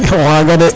oxa xaaga de